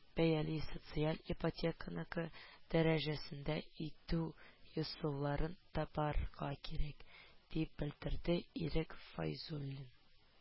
“бәяләрне социаль ипотеканыкы дәрәҗәсендә итү ысулларын табарга кирәк”, - дип белдерде ирек фәйзуллин